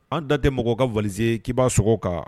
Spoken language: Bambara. An da tɛ mɔgɔw ka valize k'i' sɔgɔ kan